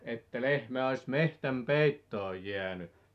että lehmä olisi metsän peittoon jäänyt